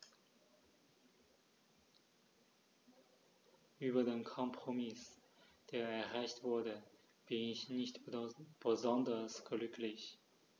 Über den Kompromiss, der erreicht wurde, bin ich nicht besonders glücklich.